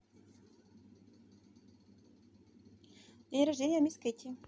день рождения miss katy